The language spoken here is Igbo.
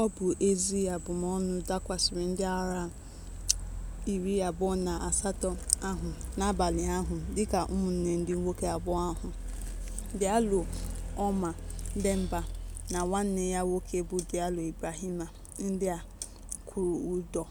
Ọ bụ ezie, abụmọnụ dakwasịrị ndị agha 28 ahụ n'abalị ahụ. Dịka ụmụnne ndị nwoke abụọ ahụ, Diallo Oumar Demba na nwanne ya nwoke bụ Diallo Ibrahima, ndị a kwụrụ ụdọ